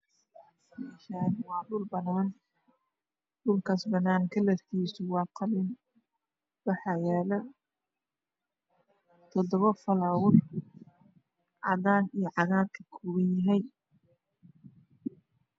Meeshan waa dhul banan dhulkas banaan kalarkiisu waa qalin waxaana yaalo todob fallower cadaan iyo cagaar kakooban yahay